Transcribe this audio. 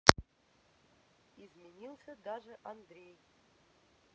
изменился даже андрей